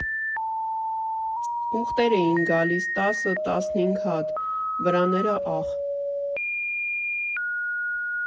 Ուղտեր էին գալիս, տասը֊տանհինգ հատ, վրաները՝ աղ։